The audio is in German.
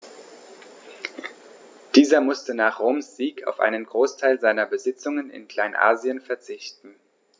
Dieser musste nach Roms Sieg auf einen Großteil seiner Besitzungen in Kleinasien verzichten.